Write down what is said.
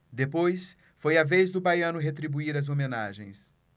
depois foi a vez do baiano retribuir as homenagens